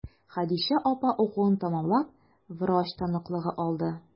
Хәдичә апа укуын тәмамлап, врач таныклыгы алды.